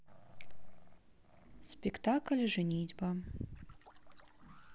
спектакль женитьба